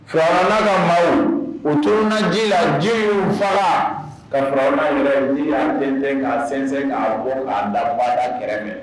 Farala u tun ji la jiri fara ka fara yɛrɛ ni a den ka sin' bɔ ka dabaa kɛrɛfɛ